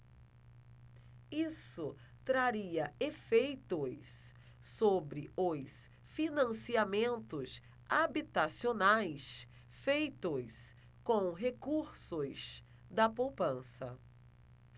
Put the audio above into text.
isso traria efeitos sobre os financiamentos habitacionais feitos com recursos da poupança